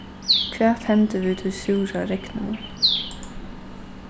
hvat hendi við tí súra regninum